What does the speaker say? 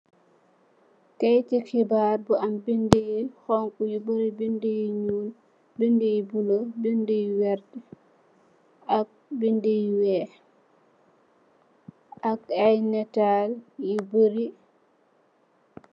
Kaiiti xibarr yu am bindi yu xonxu yu bori bindi yu nyul bindi yu bulo bindi yu wert ak bindi yu wekh ak ayy natal yu barri.